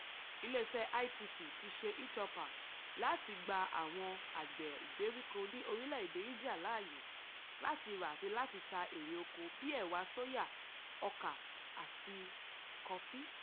Ilé iṣẹ́ ITC ti ṣe e-Choupal láti gba àwọn àwọn àgbẹ̀ ìgbèríko ní orílẹ̀ èdè India láyé láti rà àti ta àwọn èrè oko bíi ẹ̀wà sóyà, ọkà, àti kofí.